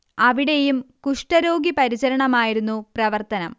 അവിടേയും കുഷ്ടരോഗി പരിചരണമായിരുന്നു പ്രവർത്തനം